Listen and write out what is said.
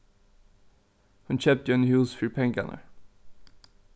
hon keypti eini hús fyri pengarnar